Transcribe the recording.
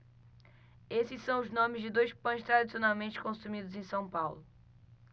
esses são os nomes de dois pães tradicionalmente consumidos em são paulo